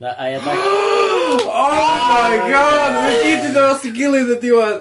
Na a ia da... Oh my God! Ma' nw gyd yn dod at 'i gilydd yn diwadd.